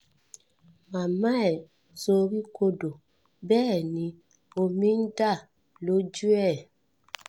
Màmá ẹ̀ sorí kodò, bẹ́è ni omi ń dà lójú ẹ̀.